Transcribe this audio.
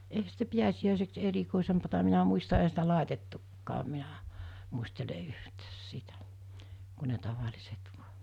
eihän sitä pääsiäiseksi erikoisempaa minä muista eihän sitä laitettukaan minä muistele yhtään sitä kun ne tavalliset vain